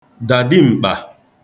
dà dim̀kpà